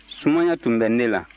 sumaya tun bɛ ne la